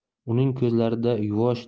uning ko'zlarida yuvosh